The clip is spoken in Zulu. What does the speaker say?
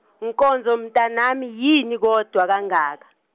Nkonzo mntanami yini kodwa kangaka?